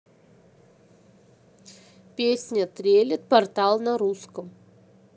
песня трелит портал на русском